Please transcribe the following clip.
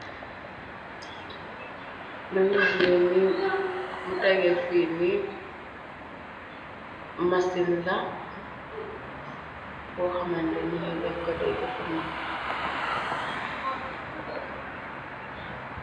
Luñ raxle ni mu tege fii ni, masin la bo xamantene ni ñi deej ko dey jëfandiko.